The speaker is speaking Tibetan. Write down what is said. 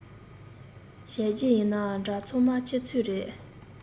བྱས རྗེས ཡིན ནའང འདྲ ཚང མ ཁྱེད ཚོའི རེད